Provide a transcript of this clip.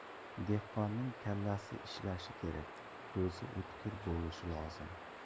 dehqonning kallasi ishlashi kerak ko'zi o'tkir bo'lishi lozim